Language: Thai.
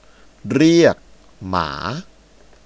เรียกหมา